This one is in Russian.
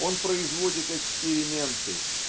Он производит эксперименты